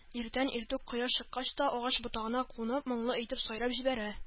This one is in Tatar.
Иртән-иртүк, кояш чыккач та, агач ботагына кунып моңлы итеп сайрап җибәрә